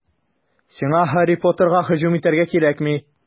Сиңа Һарри Поттерга һөҗүм итәргә кирәкми.